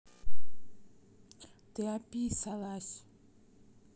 ты описалась